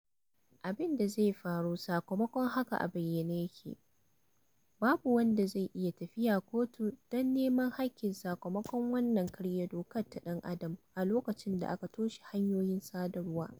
Abin da zai faru sakamakon haka a bayyane yake - babu wanda zai iya tafiya kotu don neman haƙƙi sakamakon wannan karya doka ta ɗan adam a lokacin da aka toshe hanyoyin sadarwar.